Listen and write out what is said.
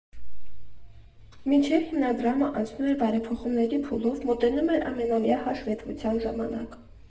Մինչ հիմնադրամը անցնում էր բարեփոխումների փուլով, մոտենում էր ամենամյա հաշվետվության ժամանակը։